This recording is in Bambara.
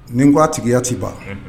Nin n ko a tigiya tɛ ban, unhun